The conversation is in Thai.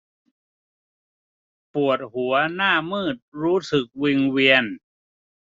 ปวดหัวหน้ามืดรู้สึกวิงเวียน